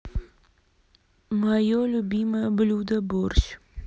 мое любимое блюдо борщ